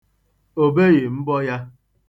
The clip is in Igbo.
O beghị mbọ ya.